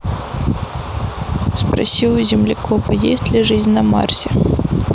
спроси у землекопа есть ли жизнь на марсе